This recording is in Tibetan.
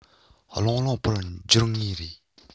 བློང བློང པོར གྱུར ངེས རེད